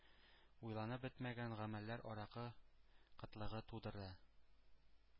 Уйланып бетмәгән гамәлләр аракы кытлыгы тудырды.